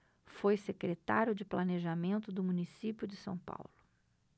foi secretário de planejamento do município de são paulo